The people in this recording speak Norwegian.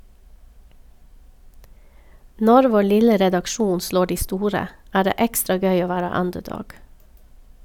Når vår lille redaksjon slår de store, er det ekstra gøy å være underdog.